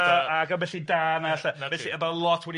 wedi bod a ac a felly da yna ella felly a bod lot wedi